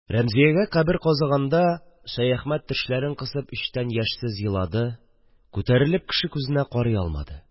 Рәмзиягә кабер казыганда Шәяхмәт тешләрен кысып эчтән яшьсез елады, күтәрелеп кеше күзенә карый алмады